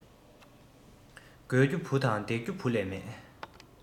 དགོས རྒྱུ བུ དང འདེགས རྒྱུ བུ ལས མེད